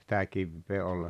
sitä kiveä oli